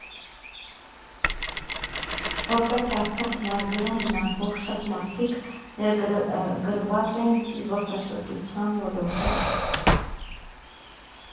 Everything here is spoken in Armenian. Որպես արդյունք մարզերում բնակվող շատ մարդիկ ներգրավվեցին զբոսաշրջության ոլորտում։